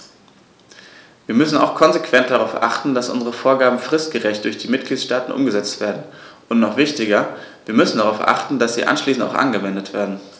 Wir müssen auch konsequent darauf achten, dass unsere Vorgaben fristgerecht durch die Mitgliedstaaten umgesetzt werden, und noch wichtiger, wir müssen darauf achten, dass sie anschließend auch angewendet werden.